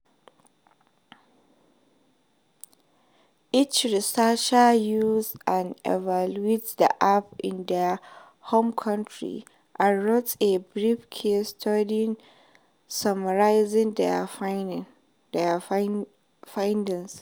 Each researcher used and evaluated the app in their home country, and wrote a brief case study summarizing their findings.